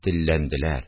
Телләнделәр